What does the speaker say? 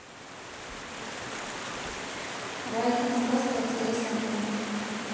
райкин сказка о царе салтане